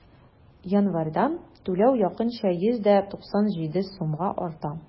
Январьдан түләү якынча 197 сумга арта.